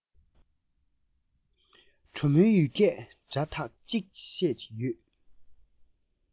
གྲོ མོའི ཡུལ སྐད གྲ དག ཅིག བཤད ཡོང